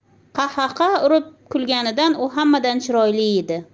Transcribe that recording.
qahqaha urib kulganidan u hammadan chiroyli edi